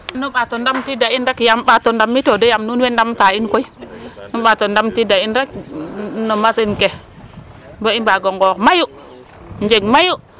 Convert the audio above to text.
Nu ɓaat o ndamtiid a in rek yaam ɓaat o ndamito de yaam nuun woy ndamta in koy nu ɓaat o ndamtiid a in rek no machine ke bo i mbaag o nnoox mayu njeg mayu.